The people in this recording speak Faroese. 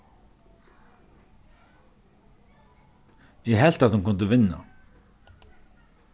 eg helt at hon kundi vinna